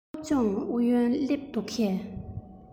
སློབ སྦྱོང ཨུ ཡོན སླེབས འདུག གས